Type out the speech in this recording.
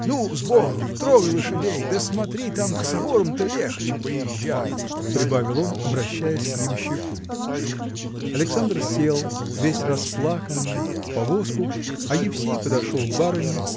Ну, с богом, трогай лошадей, да смотри там косогором-то легче поезжай! – прибавил он, обращаясь к ямщику. Александр сел весь расплаканный в повозку а Евсей подошел к барыне